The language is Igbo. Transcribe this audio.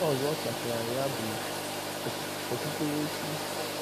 Ihe ọzọ kpatara ya bụ okpukperechi.